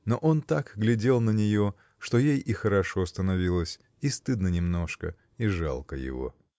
но он так глядел на нее, что ей и хорошо становилось, и стыдно немножко, и жалко его.